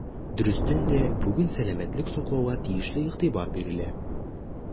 Дөрестән дә, бүген сәламәтлек саклауга тиешле игътибар бирелә.